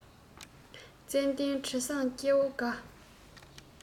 ཙན དན དྲི བཟང སྐྱེ བོ དགའ